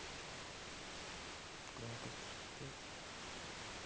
громкость тридцать пять